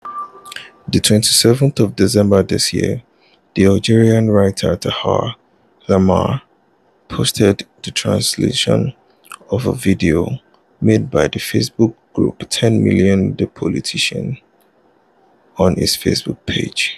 The 27th of October this year, the Algerian writer Tahar Lamri [en] posted the translation of a video [ar] made by the Facebook group 10 Millions de Politiciens [ar, fr] on his Facebook page.